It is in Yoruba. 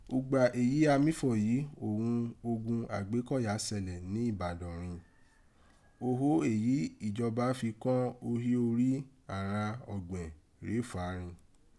Ùgbà èyí a mí fọ̀ yìí òghun ogun Agbẹkọ̀ya sẹlẹ̀ ni Ibadan rin; oghó èyí ìjoba fi kọ́n oghó orí àghan ọ̀gbẹ̀n rèé fà rin.